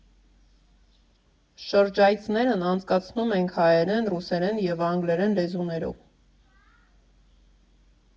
Շրջայցներն անցկացնում ենք հայերեն, ռուսերեն և անգլերեն լեզուներով։